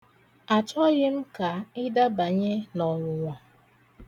Achọghị m ka ịdabanye n'ọnwụnwa.